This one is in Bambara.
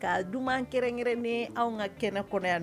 Ka du kɛrɛnkɛrɛn ni anw ka kɛnɛ kɔnɔ yan na